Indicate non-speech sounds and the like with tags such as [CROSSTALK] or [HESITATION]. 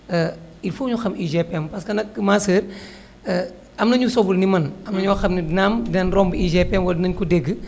[HESITATION] il faut que ñu xam UGPM parce que nag ma soeur [HESITATION] am na ñu sobul ne man am na ñoo xam ne ni naam dinañu romb UGPM wala dinañu ko dégg